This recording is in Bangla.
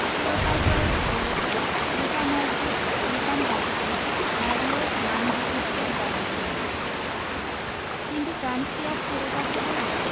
শিরোপা জয়ের উপলক্ষ Luka Modric Ivan Rakitic Mario মান্দজুকিচদের দলের সামনে কিন্তু ফ্রান্স কি আর ছেড়ে কথা বলবে